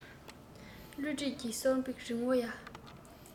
བསླུ བྲིད ཀྱི གསོར འབིག རིང བོ ཡ